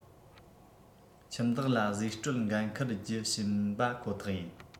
ཁྱིམ བདག ལ བཟོས སྤྲོད འགན འཁུར རྒྱུ བྱིན པ ཁོ ཐག ཡིན